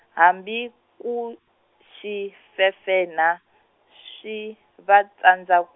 hambi, ku, xi fefenha, swi, va tsandza.